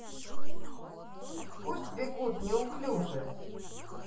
пусть бегут неуклюже